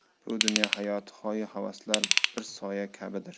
bu dunyo hayoti hoyu havaslar bir soya kabidir